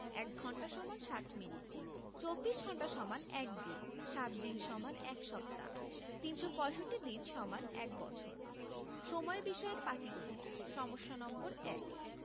১ঘন্টা = ৬০ মিনিট ২৪ ঘন্টা = ১ দিন ৭ দিন = ১ সপ্তাহ ৩৬৫ দিন = ১বছর সময় বিষয়ক পাটিগনিতঃ সমস্যা নম্বর ১